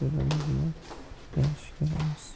bir birimizni yaxshi ko'ramiz